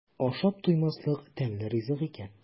Ашап туймаслык тәмле ризык икән.